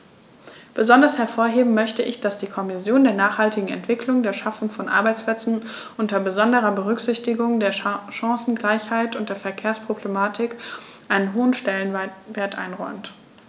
Besonders hervorheben möchte ich, dass die Kommission der nachhaltigen Entwicklung, der Schaffung von Arbeitsplätzen unter besonderer Berücksichtigung der Chancengleichheit und der Verkehrsproblematik einen hohen Stellenwert einräumt.